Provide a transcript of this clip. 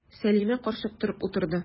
Сәлимә карчык торып утырды.